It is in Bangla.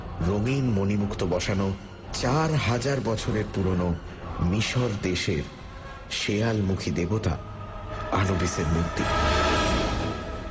রঙিন মণিমুক্ত বসানো চার হাজার বছরের পুরনো মিশর দেশের শেয়ালমুখী দেবতা আনুবিসের মূর্তি